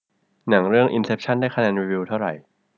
หนังเรื่องอินเซปชั่นได้คะแนนรีวิวเท่าไหร่